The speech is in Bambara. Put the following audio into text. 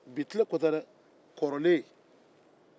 bitileko ko tɛ dɛ kɔrɔlen